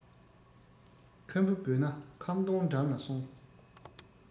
ཁམ བུ དགོས ན ཁམ སྡོང འགྲམ ལ སོང